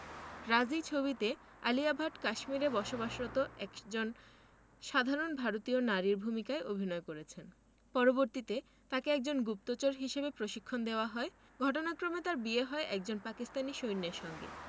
রাজী ছবিতে আলিয়া ভাট কাশ্মীরে বসবাসরত একজন সাধারন ভারতীয় নারীর ভূমিকায় অভিনয় করেছেন পরবর্তীতে তাকে একজন গুপ্তচর হিসেবে প্রশিক্ষণ দেওয়া হয় ঘটনাক্রমে তার বিয়ে হয় একজন পাকিস্তানী সৈন্যের সঙ্গে